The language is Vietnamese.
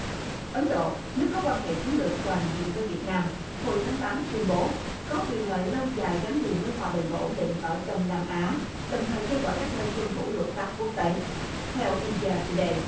ấn độ nước có quan hệ chiến lược toàn diện với việt nam hồi tháng tám tuyên bố có quyền lợi lâu dài gắn liền với hòa bình và ổn định ở đông nam á đồng thời kêu gọi các bên tuân thủ luật pháp quốc tế theo in dia tu đây